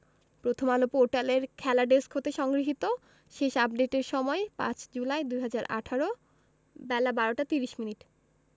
প্রথমআলো পোর্টালের খেলা ডেস্ক হতে সংগৃহীত শেষ আপডেটের সময় ৫ জুলাই ২০১৮ বেলা ১২টা ৩০মিনিট